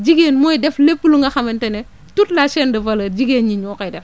jigéen mooy def lépp lu nga xamante ne toute la chaine de valeur jigéen ñi ñoo koy def